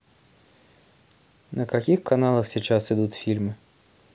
на каких каналах сейчас идут фильмы